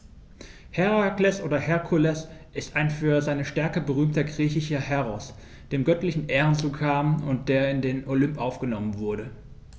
Herakles oder Herkules ist ein für seine Stärke berühmter griechischer Heros, dem göttliche Ehren zukamen und der in den Olymp aufgenommen wurde.